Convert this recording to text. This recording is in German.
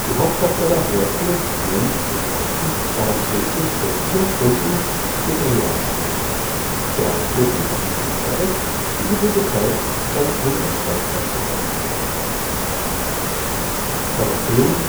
Hauptdarsteller Radcliffe, Grint und Watson waren täglich für vier Stunden mit Dreharbeiten beschäftigt; drei Stunden hatten sie Unterricht; die übrige Zeit stand ihnen als Freizeit zur Verfügung. Da der Film